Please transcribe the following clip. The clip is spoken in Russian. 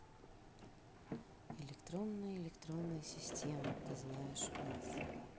электронная электронная система ты знаешь у нас